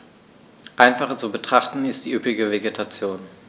Einfacher zu betrachten ist die üppige Vegetation.